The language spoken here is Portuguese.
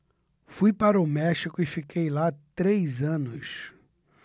fui para o méxico e fiquei lá três anos